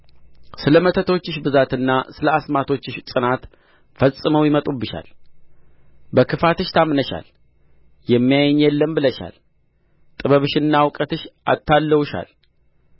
ስለ መተቶችሽ ብዛትና ስለ አስማቶችሽ ጽናት ፈጽመው ይመጡብሻል በክፋትሽ ታምነሻል የሚያየኝ የለም ብለሻል ጥበብሽና እውቀትሽ አታልለውሻል